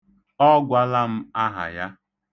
Ọ gwala m aha ya.